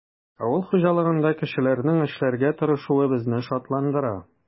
Авыл хуҗалыгында кешеләрнең эшләргә тырышуы безне шатландыра.